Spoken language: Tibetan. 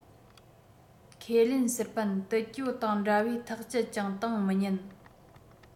ཁས ལེན སུར པན ཏིལ སྐྱོ དང འདྲ བས ཐག བཅད ཅིང བཏང མི ཉན